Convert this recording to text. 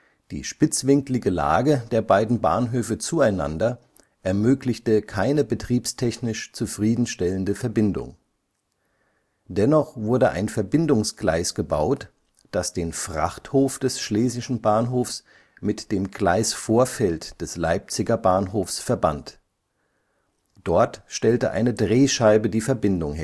Die spitzwinklige Lage der beiden Bahnhöfe zueinander ermöglichte keine betriebstechnisch zufriedenstellende Verbindung. Dennoch wurde ein Verbindungsgleis gebaut, das den Frachthof des Schlesischen Bahnhofs mit dem Gleisvorfeld des Leipziger Bahnhofs verband. Dort stellte eine Drehscheibe die Verbindung